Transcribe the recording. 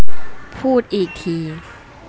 พูดอีกที